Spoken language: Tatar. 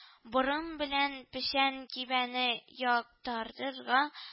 Борын белән печән кибәне яктарырга